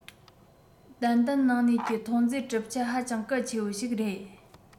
ཏན ཏན ནང གནས ཀྱི ཐོན རྫས གྲུབ ཆ ཧ ཅང གལ ཆེ བ ཞིག རེད